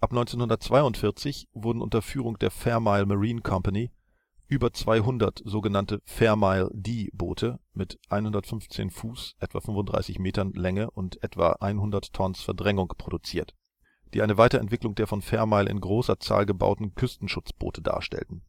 1942 wurden unter Führung der Fairmile Marine Company über 200 sogenannte Fairmile ' D ' Boote mit 115 ft (≈35 m) Länge und etwa 100 tons Verdrängung produziert, die eine Weiterentwicklung der von Fairmile in großer Zahl gebauten Küstenschutzboote (Motor Launch) darstellten